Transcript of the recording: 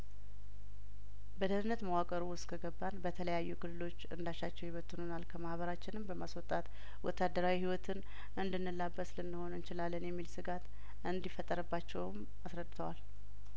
በደህንነት መዋቅር ውስጥ ከገባን በተለያዩ ክልሎች እንዳ ሻቸው ይበትኑናል ከማህበራችንም በማስወጣት ወታደራዊ ህይወትን እንድንላበስ ልንሆን እንችላለን የሚል ስጋት እንዲፈጠርባቸውም አስረድተዋል